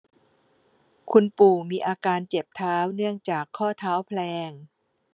คุณปู่มีอาการเจ็บเท้าเนื่องจากข้อเท้าแพลง